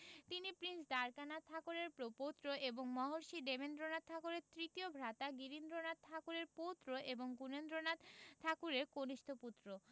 তিনি প্রিন্স দ্বারকানাথ ঠাকুরের প্রপৌত্র এবং মহর্ষি দেবেন্দ্রনাথ ঠাকুরের তৃতীয় ভ্রাতা গিরীন্দ্রনাথ ঠাকুরের পৌত্র ও গুণেন্দ্রনাথ ঠাকুরের কনিষ্ঠ পুত্র